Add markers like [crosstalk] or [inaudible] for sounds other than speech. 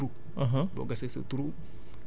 wala nga [hesitation] gas sa trou